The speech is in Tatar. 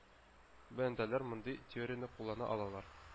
Бәндәләр мондый теорияне куллана алалар.